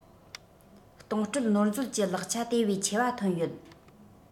གཏོང སྤྲོད ནོར མཛོད ཀྱི ལེགས ཆ དེ བས ཆེ བ ཐོན ཡོད